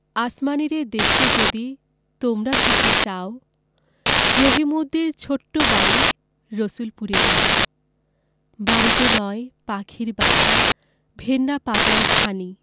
আসমানীরে দেখতে যদি তোমরা সবে চাও রহিমদ্দির ছোট্ট বাড়ি রসুলপুরে যাও বাড়িতো নয় পাখির বাসা ভেন্না পাতার ছানি